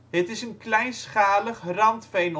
Het is een kleinschalig randveenontginningsgebied